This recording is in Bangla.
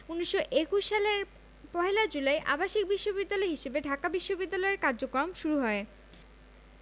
১৯২১ সালের ১ জুলাই আবাসিক বিশ্ববিদ্যালয় হিসেবে ঢাকা বিশ্ববিদ্যালয়ের কার্যক্রম শুরু হয়